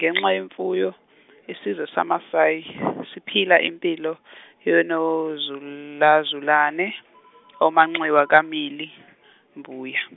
ngenxa yemfuyo, isizwe saMasayi siphila impilo yonozulazulane omanxiwa kamili, mbuya.